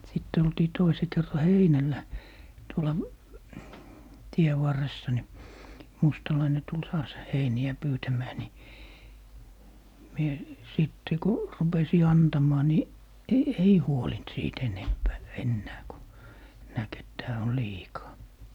sitten oltiin toisen kerran heinällä tuolla tien varressa niin mustalainen tuli taas heiniä pyytämään niin minä sitten kun rupesin antamaan niin - ei huolinut siitä enempää enää kun näki että tämä on liikaa